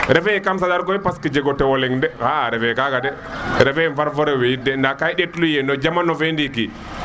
refe ye kam saɗar ko jego tewo leng de xa a refe kaga de refe ye far fo rewe yit de nda ge i ndet lu ye no jamano fe ndiki